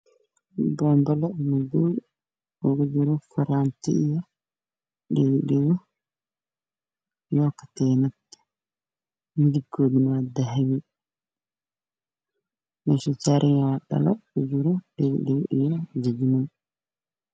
Boombalo madow ugu jiro faraanti iyo dhago dhago